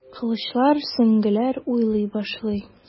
Кылычлар, сөңгеләр уйный башлый.